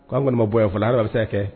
Ko an kɔni ne ma bɔ fɔ a yɛrɛ bɛ se kɛ